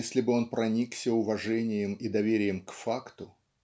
если бы он проникся уважением и доверием к факту.